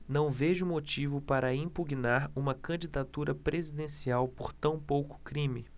não vejo motivo para impugnar uma candidatura presidencial por tão pouco crime